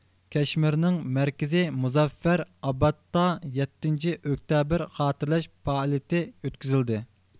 كەشمىرنىڭ مەركىزى مۇزەففەرئابادتا يەتتىنچى ئۆكتەبىر خاتىرىلەش پائالىيىتى ئۆتكۈزۈلدى